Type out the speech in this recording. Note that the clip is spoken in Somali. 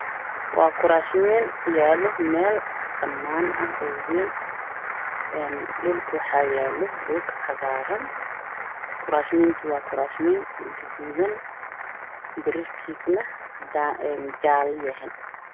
Waa kuraas taalo meel banaan oo wayn dhulka waxaa yaalo kuraastu waa kuraas guduudan color ka uu yahay jaalo yahay